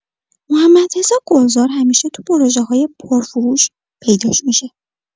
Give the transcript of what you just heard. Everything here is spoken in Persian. محمدرضا گلزار همیشه تو پروژه‌های پرفروش پیداش می‌شه.